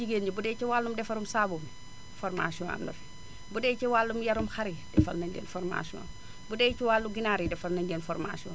ndax jigéen ñi budee ci wàllum defarum saabu formation am na fi budee ci wàllum yarum xar yi defal nañu leen formation budee ci wàllu ginaar yi defal nañu leen formation